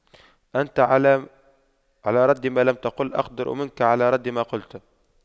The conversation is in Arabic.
أنت على رد ما لم تقل أقدر منك على رد ما قلت